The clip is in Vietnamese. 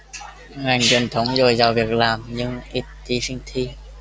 ngành truyền thống dồi dào việc làm nhưng ít thí sinh thi